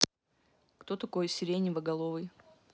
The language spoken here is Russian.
кто такой сиреноголовый